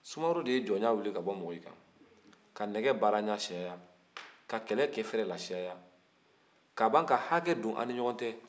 sumaworo de ye jɔnya wili ka bɔ mɔgɔw kan ka nɛgɛ baara ɲɛ caya ka kɛlɛkɛfɛrɛ lacaya ka ban ka hakɛ don anw ni ɲɔgɔn cɛ